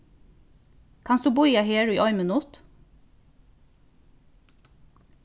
kanst tú bíða her í ein minutt